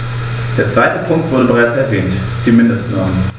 Der zweite Punkt wurde bereits erwähnt: die Mindestnormen.